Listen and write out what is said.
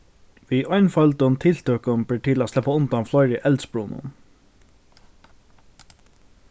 við einføldum tiltøkum ber til at sleppa undan fleiri eldsbrunum